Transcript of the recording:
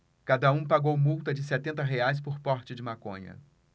cada um pagou multa de setenta reais por porte de maconha